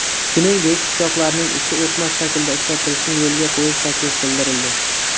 shuningdek pichoqlarning uchi o'tmas shaklda ishlatishni yo'lga qo'yish taklifi bildirildi